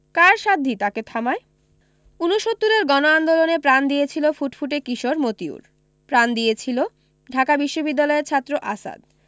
কার সাধ্যি তাকে থামায় ৬৯ এর গণ আন্দোলনে প্রাণ দিয়েছিল ফুটফুটে কিশোর মতিউর প্রাণ দিয়েছিল ঢাকা বিশ্ববিদ্যালয়ের ছাত্র আসাদ